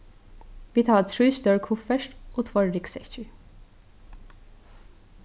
vit hava trý stór kuffert og tveir ryggsekkir